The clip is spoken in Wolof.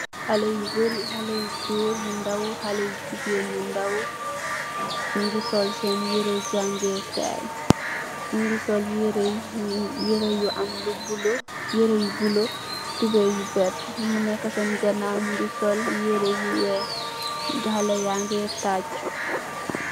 Xalèh yu barri , xalèh gór yu ndaw xalèh jigeen yu ndaw, ñi ngi sol yirèh jangèè kai ñi ngi sol yirèh yu am lu bula tubay yu werta. Ñi nekka sèèn ganaw ñi ngi sol yirèh yu wèèx dalla yangi taac.